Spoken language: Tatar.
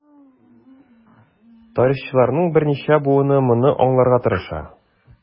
Тарихчыларның берничә буыны моны аңларга тырыша.